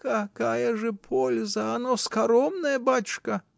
— Какая же польза: оно скоромное, батюшка.